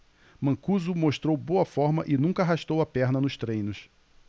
mancuso mostrou boa forma e nunca arrastou a perna nos treinos